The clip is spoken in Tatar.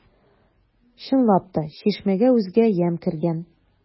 Чынлап та, чишмәгә үзгә ямь кергән.